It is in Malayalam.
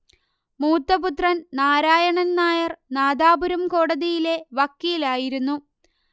മൂത്ത പുത്രൻ നാരായണൻ നായർ നാദാപുരം കോടതിയിലെ വക്കീലായിരുന്നു